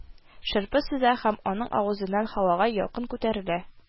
Шырпы сыза, һәм аның авызыннан һавага ялкын күтәрелә